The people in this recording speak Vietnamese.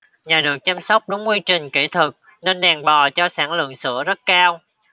nhờ được chăm sóc đúng quy trình kỹ thuật nên đàn bò cho sản lượng sữa rất cao